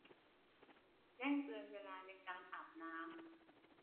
แจ้งเตือนเวลาในการอาบน้ำ